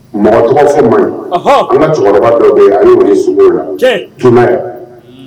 Mara tɔgɔ ma ne cɛkɔrɔba dɔ yen a su la tu